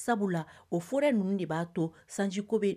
Sabu la o foɛrɛ ninnu de b'a to sanjiko bɛ